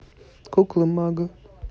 куклы мага